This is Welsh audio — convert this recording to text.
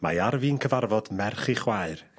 Mae ar fin cyfarfod merch ei chwaer